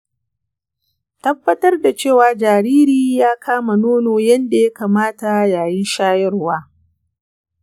tabbatar da cewa jariri ya kama nono yadda ya kamata yayin shayarwa.